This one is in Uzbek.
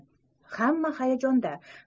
hamma hayajonda